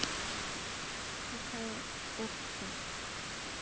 какая okko